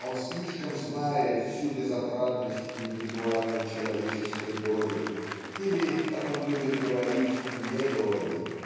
Он слишком знает всю безотрадность индивидуальной человеческой доли или как он любит говорить недоли